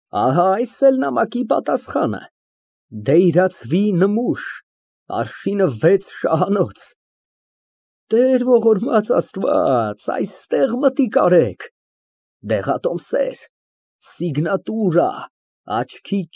Ահա այս է նամակի պատասխանը֊դեյրացվի նմուշ, արշինը վեց շահանոց, Տեր ողորմած Աստված, այստեղ մտիկ արեք, դեղատոմսեր, աչքի։